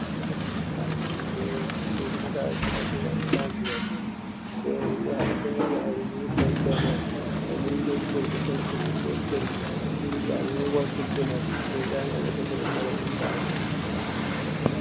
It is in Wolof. Munge am lu neka si netal bi nyung fa bin nduh Gambia benah yaye bi munge buut munge teyeh koor kenen ki tamit munge teyeh koor di waal